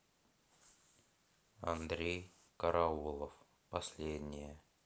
андрей караулов последнее